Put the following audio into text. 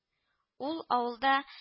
Ул авылда